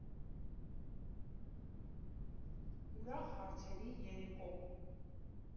Ուրախ հարցերի երեկո։